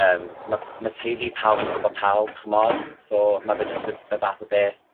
yym ma' ma' teulu pawb yn gwbo pawb ch'mod? So ma' fe jys y y fath o beth